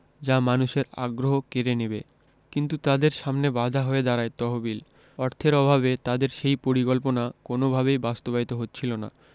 যা মানুষের আগ্রহ কেড়ে নেবে কিন্তু তাদের সামনে বাধা হয়ে দাঁড়ায় তহবিল অর্থের অভাবে তাদের সেই পরিকল্পনা কোনওভাবেই বাস্তবায়িত হচ্ছিল না